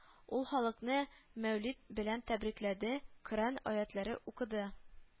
Ул халыкны Мәүлид белән тәбрикләде, Коръән аятләре укыды